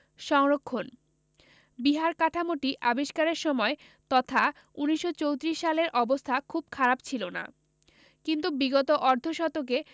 সংরক্ষণ বিহার কাঠামোটি আবিষ্কারের সময় তথা ১৯৩৪ সালের অবস্থা খুব খারাপ ছিল না কিন্তু বিগত অর্ধ শতকে